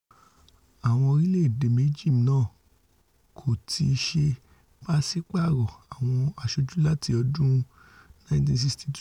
Àwọn orílẹ̀-èdè méjì náà kò tíì ṣe pàsípààrọ̀ àwọn aṣoju láti ọdún 1962.